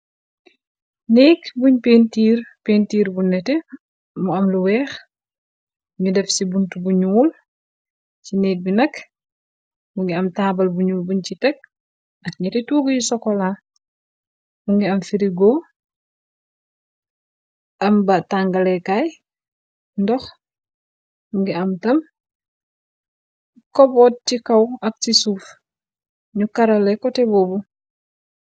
Nekk buñ pentiir pentiir bu nete mu am lu weex ñu def ci bunt bu ñyuul ci neeg bi nag mu ngi am taabal buñul buñ ci tekk ak nete tuugi yu sokolaa mu ngi am firigo am ba tangaleekaay ndox mungi am tam koboot ci kaw ab ci suuf ñu karale kote boobu.